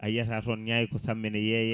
ayiyata toon ñayko samme ne yeeye